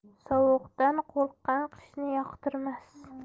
sovuqdan qo'rqqan qishni yoqtirmas